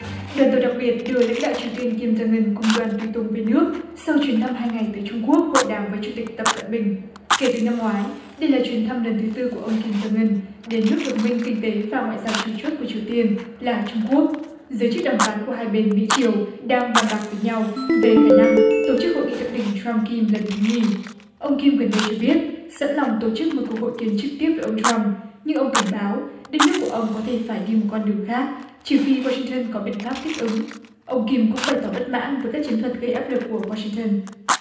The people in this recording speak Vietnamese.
đoàn tàu đặc biệt đưa lãnh đạo triều tiên kim giông ưn cùng đoàn tùy tùng về nước sau chuyến thăm hai ngày tới trung quốc hội đàm với chủ tịch tập cận bình kể từ năm ngoái đây là chuyến thăm lần thứ tư của ông kim giông ưn đến nước đồng minh kinh tế và ngoại giao chủ chốt của triều tiên là trung quốc giới chức đàm phán của hai bên mỹ triều đang bàn bạc với nhau về khả năng tổ chức hội nghị thượng đỉnh trăm kim lần thứ nhì ông kim gần đây cho biết sẵn lòng tổ chức một cuộc hội kiến trực tiếp với ông trăm nhưng ông cảnh báo đất nước của ông có thể phải đi một con đường khác trừ khi oa sing tơn có biện pháp thích ứng ông kim cũng bày tỏ bất mãn với các chiến thuật gây áp lực của oa sing tơn